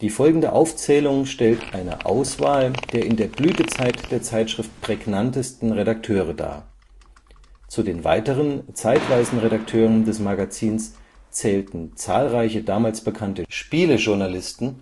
folgende Aufzählung stellt eine Auswahl der in der Blütezeit der Zeitschrift prägnantesten Redakteure dar. Zu den weiteren, zeitweisen Redakteuren des Magazins zählten zahlreiche damals bekannte Spielejournalisten